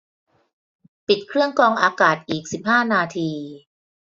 ปิดเครื่องกรองอากาศอีกสิบห้านาที